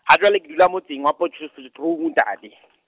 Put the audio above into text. ha jwale ke dula motseng wa Potchef- -efstroom ntate.